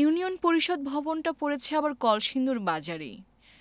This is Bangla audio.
ইউনিয়ন পরিষদ ভবনটা পড়েছে আবার কলসিন্দুর বাজারেই